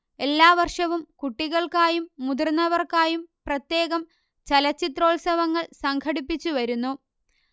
എല്ലാ വർഷവും കുട്ടികൾക്കായും മുതിർന്നവർക്കായും പ്രത്യേകം ചലച്ചിത്രോത്സവങ്ങൾ സംഘടിപ്പിച്ചുവരുന്നു